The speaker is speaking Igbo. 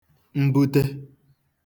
mbute